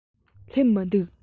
སླེབས མི འདུག